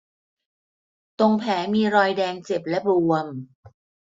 ตรงแผลมีรอยแดงเจ็บและบวม